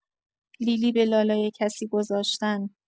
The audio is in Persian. لی‌لی به لالای کسی گذاشتن